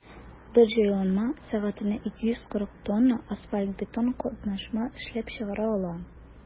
Бер җайланма сәгатенә 240 тонна асфальт–бетон катнашма эшләп чыгара ала.